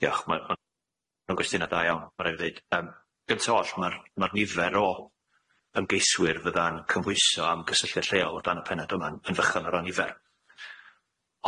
Dioch ma' ma'n gwestiynna da iawn ma' raid fi ddeud yym gynta oll ma'r ma'r nifer o ymgeiswyr fydda'n cymhwyso am gysylltiad lleol o dan y pennawd yma'n yn fychan iawn o ran nifer.